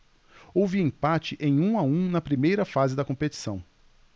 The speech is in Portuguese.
houve empate em um a um na primeira fase da competição